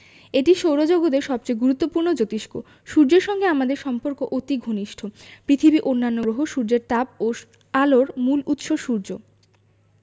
এটি সৌরজগতের সবচেয়ে গুরুত্বপূর্ণ জোতিষ্ক সূর্যের সঙ্গে আমাদের সম্পর্ক অতি ঘনিষ্ট পৃথিবী অন্যান্য গ্রহ উপগ্রহের তাপ ও আলোর মূল উৎস সূর্য